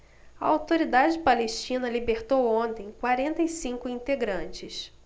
a autoridade palestina libertou ontem quarenta e cinco integrantes